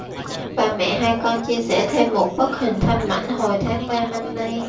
bà mẹ hai con chia sẻ thêm một bức hình thanh mảnh hồi tháng ba năm nay